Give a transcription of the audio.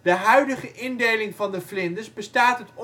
huidige indeling van de vlinders bestaat